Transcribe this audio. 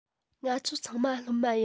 ང ཚོ ཚང མ སློབ མ ཡིན